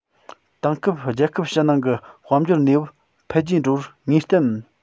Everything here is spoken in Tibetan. དེང སྐབས རྒྱལ ཁབ ཕྱི ནང གི དཔལ འབྱོར གནས བབ འཕེལ རྒྱས འགྲོ བར ངེས གཏན མིན